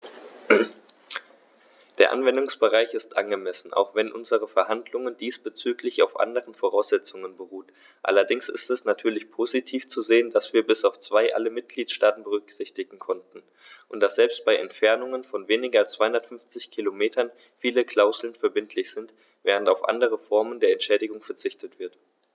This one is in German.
Der Anwendungsbereich ist angemessen, auch wenn unsere Verhandlungen diesbezüglich auf anderen Voraussetzungen beruhten, allerdings ist es natürlich positiv zu sehen, dass wir bis auf zwei alle Mitgliedstaaten berücksichtigen konnten, und dass selbst bei Entfernungen von weniger als 250 km viele Klauseln verbindlich sind, während auf andere Formen der Entschädigung verzichtet wird.